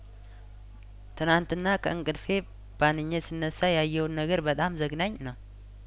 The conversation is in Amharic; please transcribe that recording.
ትናንትና ከእንቅልፌ ባንኜ ስነሳ ያየሁት ነገር በጣም ዘግናኝ ነው